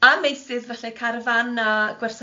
A meysydd falle carafan a gwersylla ia.